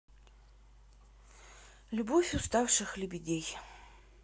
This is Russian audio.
любовь уставших лебедей